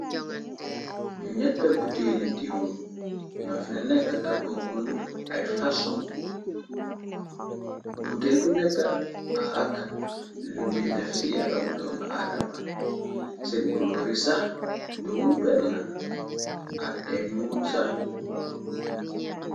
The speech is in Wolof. Ñatti buteeli diiw nofi nekka ta bokkun ay fasoñ. Buteel bu nekka ak lu muy def ci yarami doomu Aadama, seen kuloori sax donuy benna, ak emuñu sax.